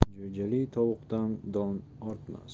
jo'jali tovuqdan don ortmas